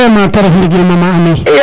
vraiment te ref ndigil Maman Amy